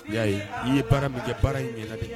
I y'a ye, i ye baara min kɛ, baara in